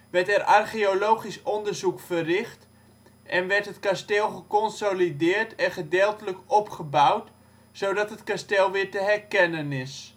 werd er archeologisch onderzoek verricht en werd het kasteel geconsolideerd en gedeeltelijk opgebouwd zodat het kasteel weer te herkennen is